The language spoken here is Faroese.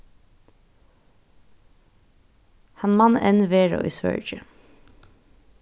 hann man enn vera í svøríki